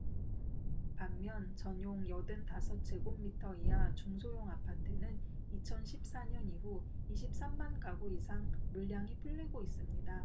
반면 전용 여든 다섯 제곱미터 이하 중소형 아파트는 이천 십 사 년 이후 이십 삼 만 가구 이상 물량이 풀리고 있습니다